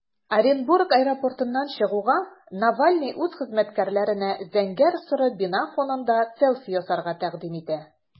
Оренбург аэропортыннан чыгуга, Навальный үз хезмәткәрләренә зәңгәр-соры бина фонында селфи ясарга тәкъдим итә.